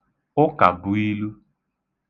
ụkàbụilu